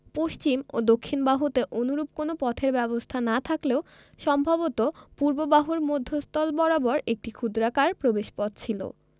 পশ্চিম ও দক্ষিণ বাহুতে অনুরূপ কোন পথের ব্যবস্থা না থাকলেও সম্ভবত পূর্ব বাহুর মধ্যস্থল বরাবর একটি ক্ষুদ্রাকার প্রবেশপথ ছিল